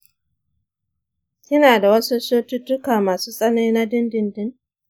kina da wasu cututtuka masu tsanani na dindindin?